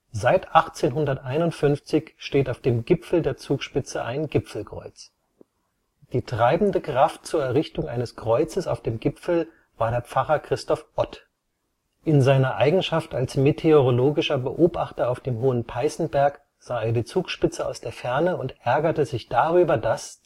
Seit 1851 steht auf dem Gipfel der Zugspitze ein Gipfelkreuz. Die treibende Kraft zur Errichtung eines Kreuzes auf dem Gipfel war der Pfarrer Christoph Ott. In seiner Eigenschaft als meteorologischer Beobachter auf dem Hohen Peißenberg sah er die Zugspitze aus der Ferne und ärgerte sich darüber, dass